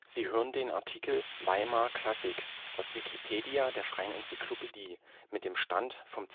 Sie hören den Artikel Weimarer Klassik, aus Wikipedia, der freien Enzyklopädie. Mit dem Stand vom